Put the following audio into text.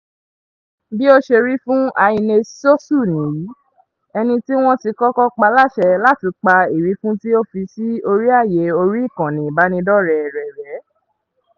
Bí ó ṣe rí fún Ignace Sossou nìyìí, ẹni tí wọ́n ti kọ́kọ́ pa láṣẹ láti pa ìwífún tí ó fi sí orí àyè orí ìkànnì ìbánidọ́rẹ̀ẹ́ rẹ̀ rẹ́.